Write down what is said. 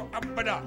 Abada